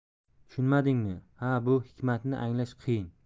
tushunmadingmi ha bu hikmatni anglash qiyin